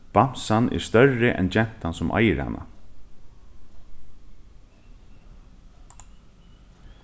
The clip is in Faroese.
bamsan er størri enn gentan sum eigur hana